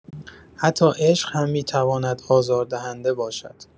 حتی عشق هم می‌تواند آزاردهنده باشد.